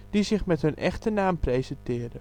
die zich met hun echte naam presenteren